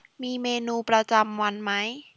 มีเมนูประจำวันไหม